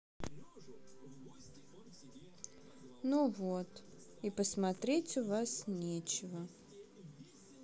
ну вот и посмотреть у вас нечего